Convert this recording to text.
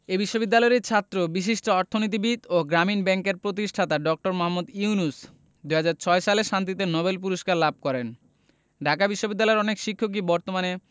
এ বিশ্ববিদ্যালয়েরই ছাত্র বাংলাদেশের বিশিষ্ট অর্থনীতিবিদ ও গ্রামীণ ব্যাংকের প্রতিষ্ঠাতা ড. মোহাম্মদ ইউনুস ২০০৬ সালে শান্তিতে নোবেল পূরস্কার লাভ করেন ঢাকা বিশ্ববিদ্যালয়ের অনেক শিক্ষকই বর্তমানে